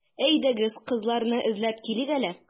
Әйдәгез, кызларны эзләп килик әле.